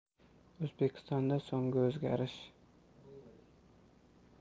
o'zbekistonda so'nggi o'zgarish